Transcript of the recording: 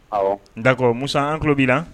Awɔ, d'accord Musa, an tulo b'i a.